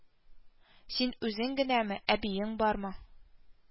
Син үзең генәме, әбиең бармы